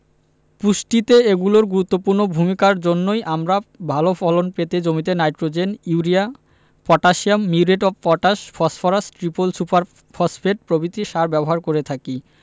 পুষ্টিতে এগুলোর গুরুত্বপূর্ণ ভূমিকার জন্যই আমরা ভালো ফলন পেতে জমিতে nitrogen urea potassium muriate of potash phosphorus triple super phosphate প্রভৃতি সার ব্যবহার করে থাকি